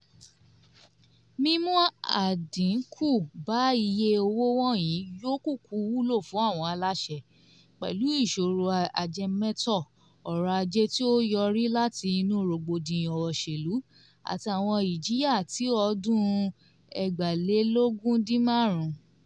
Mímú àdínkù bá iye owó wọ̀nyìí yóò kúkú wúlò fún àwọn aláṣẹ, pẹ̀lú ìṣòro ajẹmétò ọrọ̀-ajé tí ó yọrí láti inú rògbòdìyàn òṣèlú àti àwọn ìjìyà ti ọdún 2015.